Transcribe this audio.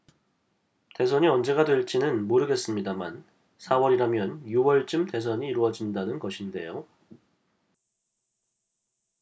대선이 언제가 될지는 모르겠습니다만 사 월이라면 유 월쯤 대선이 이뤄진다는 것인데요